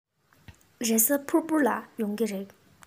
རེས གཟའ ཕུར བུ ལ ཡོང གི རེད